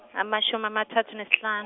amashumi amathatfu nesihlan- .